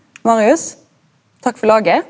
Marius, takk for laget.